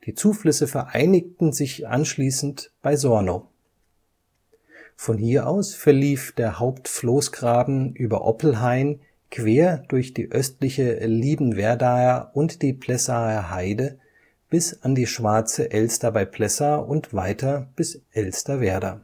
Zuflüsse vereinigten sich anschließend bei Sorno. Von hier aus verlief der Hauptfloßgraben über Oppelhain quer durch die östliche Liebenwerdaer und die Plessaer Heide bis an die Schwarze Elster bei Plessa und weiter bis Elsterwerda